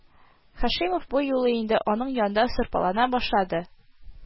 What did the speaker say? Һашимов бу юлы инде аның янында сырпалана башлады